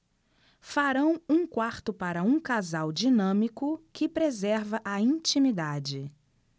farão um quarto para um casal dinâmico que preserva a intimidade